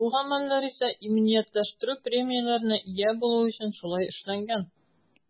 Бу гамәлләр исә иминиятләштерү премияләренә ия булу өчен шулай эшләнгән.